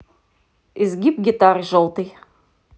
изгиб гитары желтой